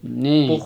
niin